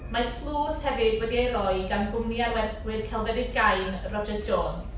Mae tlws hefyd wedi ei roi gan gwmni arwerthwyr Celfyddyd Gain, Rogers Jones.